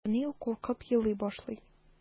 Данил куркып елый башлый.